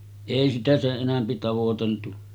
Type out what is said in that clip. ei sitä sen enempi tavoiteltu